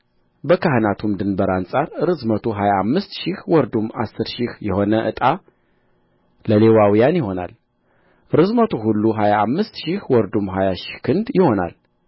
በካህናቱም ድንበር አንጻር ርዝመቱ ሀያ አምስት ሺህ ወርዱም አሥር ሺህ የሆነ ዕጣ ለሌዋውያን ይሆናል ርዝመቱ ሁሉ ሀያ አምስት ሺህ ወርዱም ሀያ ሺህ ክንድ ይሆናል